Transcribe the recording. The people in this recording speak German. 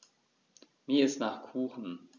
Mir ist nach Kuchen.